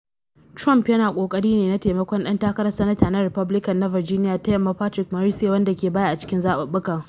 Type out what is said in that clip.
Trump yana ƙoƙari ne na taimakon ɗan takarar Sanata na Republican na Virginia ta Yamma Patrick Morrisey, wanda ke baya a cikin zaɓuɓɓukan.